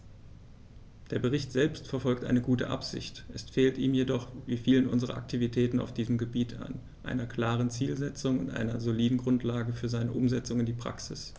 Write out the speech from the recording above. Der Bericht selbst verfolgt eine gute Absicht, es fehlt ihm jedoch wie vielen unserer Aktivitäten auf diesem Gebiet an einer klaren Zielsetzung und einer soliden Grundlage für seine Umsetzung in die Praxis.